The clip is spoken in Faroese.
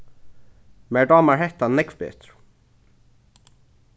mær dámar hetta nógv betur